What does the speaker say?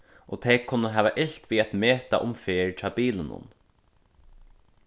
og tey kunnu hava ilt við at meta um ferð hjá bilunum